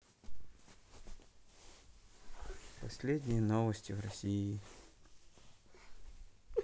последние новости в россии